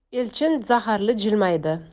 elchin zaharli jilmaydi